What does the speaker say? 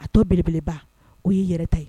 A tɔ belebeleba o ye yɛrɛ ta ye